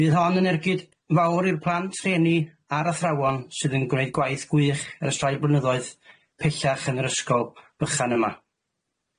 Mi fydd hon yn ergyd fawr i'r plant, rhieni a'r athrawon sydd yn gwneud gwaith gwych ers rhai blynyddoedd pellach yn yr ysgol bychan yma.